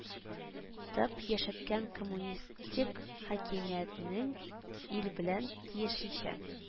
Тып яшәткән коммунистик хакимиятнең ил белән тиешенчә